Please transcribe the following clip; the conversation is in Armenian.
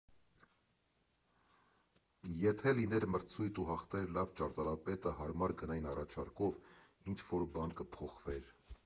Եթե լիներ մրցույթ ու հաղթեր լավ ճարտարապետը՝ հարմար գնային առաջարկով, ինչ֊որ բան կփոխվեր։